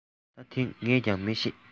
ད དེ ངས ཀྱང མི ཤེས